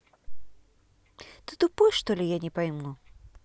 ты тупой что ли я не пойму